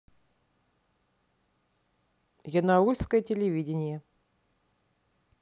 янаульское телевидение